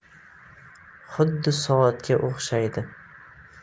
xuddi soatga o'xshaydi